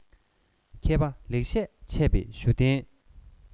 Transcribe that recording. མཁས པ ལེགས བཤད འཆད པའི ཞུ རྟེན